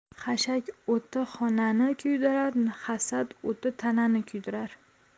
xashak o'ti xonani kuydirar hasad o'ti tanani kuydirar